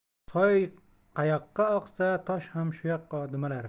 soy qayoqqa oqsa tosh ham shu yoqqa dumalar